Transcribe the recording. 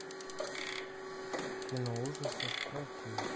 кино ужасов про акул